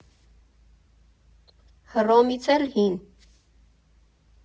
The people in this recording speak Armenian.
Հռոմից էլ հի՜ն։